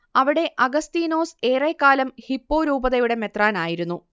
അവിടെ അഗസ്തീനോസ് ഏറെക്കാലം ഹിപ്പോ രൂപതയുടെ മെത്രാനായിരുന്നു